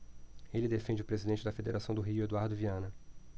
ele defende o presidente da federação do rio eduardo viana